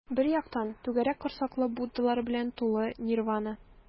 Бер яктан - түгәрәк корсаклы буддалар белән тулы нирвана.